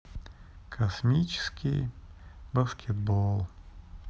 космический баскетбол